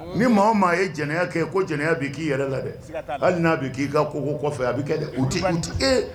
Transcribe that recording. Ni maa maa ye jɛnɛ kɛ ko jɛnɛ' k'i yɛrɛ la dɛ hali n'a bɛ k'i ka ko bɔ kɔfɛ a bɛ kɛ o tɛ e